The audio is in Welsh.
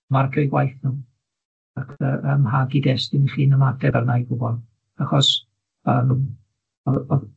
Marcio'u gwaith nw, ac yy ym mha gyd-destun 'ych chi'n ymateb arna i pobol, achos yym o- o-